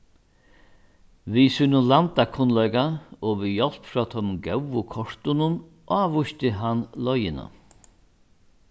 við sínum landakunnleika og við hjálp frá teimum góðu kortunum ávísti hann leiðina